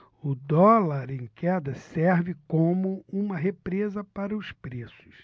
o dólar em queda serve como uma represa para os preços